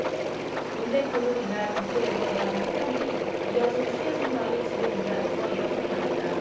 문 대표는 이날 국회에서 연 회견 뒤 이어진 취재진과의 질의응답에서 이렇게 말했다